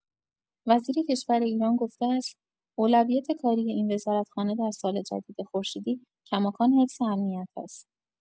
وزیر کشور ایران گفته است اولویت کاری این وزارت‌خانه در سال جدید خورشیدی کماکان حفظ امنیت است.